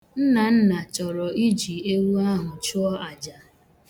Nnanna chọrọ iji ewu ahụ chụọ aja